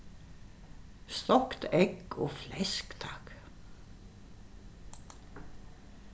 stokt egg og flesk takk